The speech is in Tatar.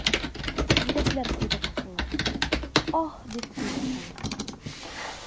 Йөрәкләр куйды кысылып, аһ, дип куйды халык.